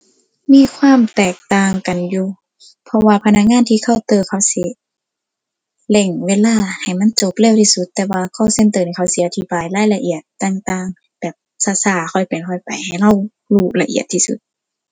มีความแตกต่างกันอยู่ เพราะว่าพนักงานที่เคาน์เตอร์เขาสิเร่งเวลาให้มันจบเร็วที่สุด แต่ว่า call center นี่เขาสิอธิบายรายละเอียดต่างต่าง แบบช้าช้าค่อยเป็นค่อยไป ให้ช้ารู้ละเอียดที่สุด